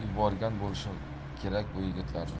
yuborgan bo'lishi kerak bu yigitlarni